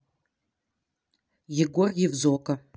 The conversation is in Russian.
егор евзока